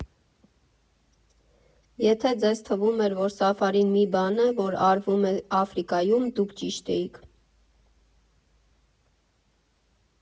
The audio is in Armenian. Եթե ձեզ թվում էր, որ սաֆարին մի բան է, որ արվում է Աֆրիկայում, դուք ճիշտ էիք։